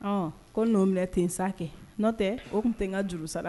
Ko n' bila tɛ sa kɛ n nɔ tɛ o tun tɛ n ka jurusa la